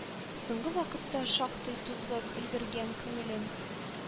Соңгы вакытта шактый тузгып өлгергән күңелен